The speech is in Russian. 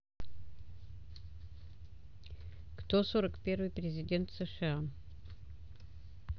кто сорок первый президент сша